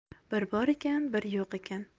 bir bor ekan bir yo'q ekan